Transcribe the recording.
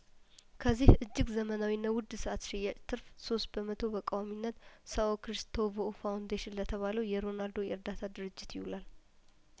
ከዚህ እጅግ ዘመናዊና ውድ ሰአት ሽያጭ ትርፍ ሶስት በመቶ በቋሚነት ሳኦ ክሪስቶቮኦ ፋውንዴሽን ለተባለው የሮናልዶ የእርዳታ ድርጅት ይውላል